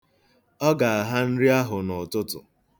Ọ ga-aha nri ahụ n'ụtụtụ.